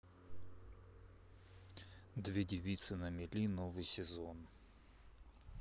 две девицы на мели новый сезон